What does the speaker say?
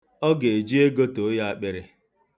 Ọ ga-eji ego too ya akpịrị.